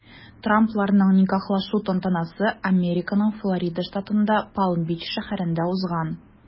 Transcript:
Трампларның никахлашу тантанасы Американың Флорида штатында Палм-Бич шәһәрендә узган.